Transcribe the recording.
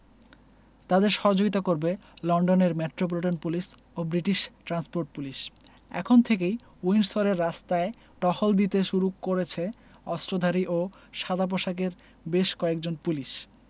তাঁদের সহযোগিতা করবে লন্ডনের মেট্রোপলিটন পুলিশ ও ব্রিটিশ ট্রান্সপোর্ট পুলিশ এখন থেকেই উইন্ডসরের রাস্তায় টহল দিতে শুরু করেছে অস্ত্রধারী ও সাদাপোশাকের বেশ কয়েকজন পুলিশ